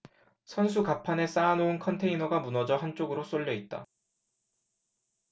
선수 갑판에 쌓아놓은 컨테이너가 무너져 한쪽으로 쏠려 있다